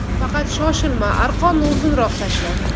faqat shoshilma arqonni uzunroq tashla